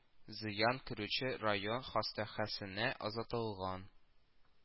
Зыян күрүче район хастаханәсенә озатылган